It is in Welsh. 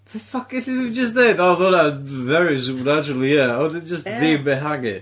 For fuck-, elli di ddim jyst deud "O oedd hwnna'n very supernatural year!" A wedyn jyst e- ddim ehangu!